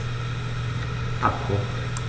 Abbruch.